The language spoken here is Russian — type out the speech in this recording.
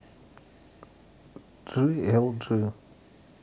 g l g